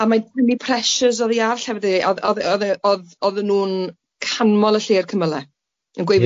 a mae'n tynnu pressures oddi ar llefydd hefyd o'dd o'dd o'dd e o'dd odden nw'n canmol y lle i'r cymyle yn gweud... Ie...